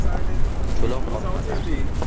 cho'loq orqada